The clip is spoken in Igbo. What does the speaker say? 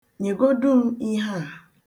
Nye godu m ihe a.